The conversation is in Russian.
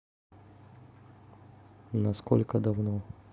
насколько давно